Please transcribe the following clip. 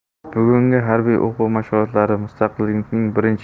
bugungi harbiy o'quv mashg'ulotlari mustaqillikning birinchi